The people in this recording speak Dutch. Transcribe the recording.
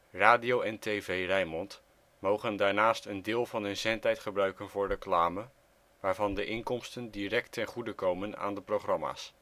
Radio en TV Rijnmond mogen daarnaast een deel van hun zendtijd gebruiken voor reclame, waarvan de inkomsten direct ten goede moeten komen aan de programma 's